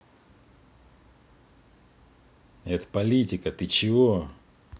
это политика ты чего